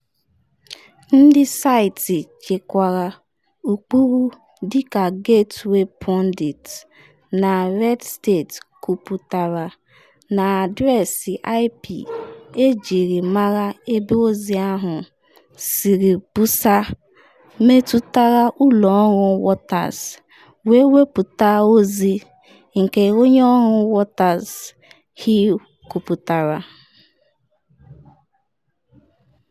Ndị saịtị nchekwa ụkpụrụ dịka Gateway Pundit na Redstate kwuputara na adreesị IP ejiri mara ebe ozi ahụ siri busa metụtara ụlọ ọrụ Waters, wee wepụta ozi nke onye ọrụ Waters, Hill kwuputara.